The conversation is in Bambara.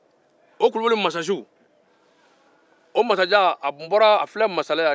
o kulubali masasiw ka masajan bɔra masala yan